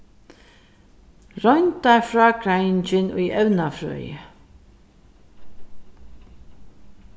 royndarfrágreiðingin í evnafrøði